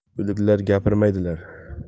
o'liklar gapirmaydilar